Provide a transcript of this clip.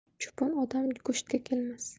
cho'pon odam go'shtga kelmas